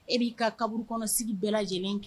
E b'i ka kaburu kɔnɔ sigi bɛɛ lajɛlen kɛ